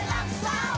sao